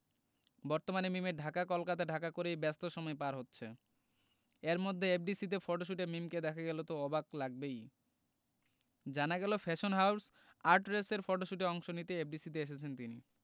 বর্তমানে মিমের ঢাকা কলকাতা ঢাকা করেই ব্যস্ত সময় পার হচ্ছে এরমধ্যে এফডিসিতে ফটোশুটে মিমকে দেখা গেল তো অবাক লাগবেই জানা গেল ফ্যাশন হাউজ আর্টরেসের ফটশুটে অংশ নিতে এফডিসিতে এসেছেন তিনি